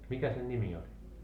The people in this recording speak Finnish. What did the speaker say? mikä sen nimi oli